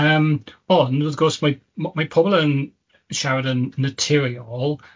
yym, ond wrth gwrs, mae mw- mae pobol yn siarad yn naturiol